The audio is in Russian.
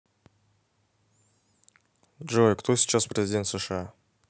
джой кто сейчас президент сша